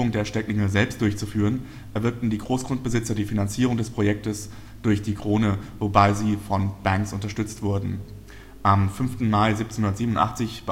der Stecklinge selbst durchzuführen, erwirkten die Großgrundbesitzer die Finanzierung des Projekts durch die Krone, wobei sie von Banks unterstützt wurden: Am 5. Mai 1787